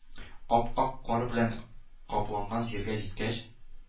Ап-ак кар белән капланган җиргә җиткәч,